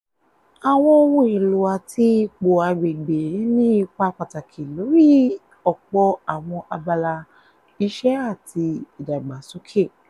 Àwọn ohun èlò àti ipò agbègbè ní ipa pàtàkì lórí ọ̀pọ̀ àwọn abala ìṣẹ́ àti ìdàgbàsókè.